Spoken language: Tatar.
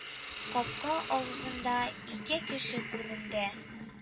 Капка авызында ике кеше күренде